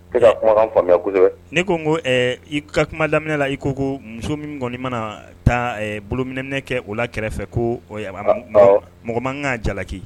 Ne ko n ko i ka kuma lam la i ko ko muso min kɔniɔni mana na taa bolominɛminɛ kɛ o la kɛrɛfɛ ko mɔgɔ mankan kan jalaki